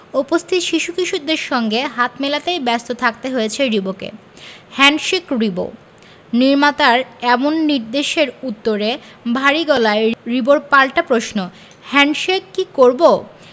উপস্থিত শিশু কিশোরদের সঙ্গে হাত মেলাতেই ব্যস্ত থাকতে হয়েছে রিবোকে হ্যান্ডশেক রিবো নির্মাতার এমন নির্দেশের উত্তরে ভারী গলায় রিবোর পাল্টা প্রশ্ন হ্যান্ডশেক কি করবো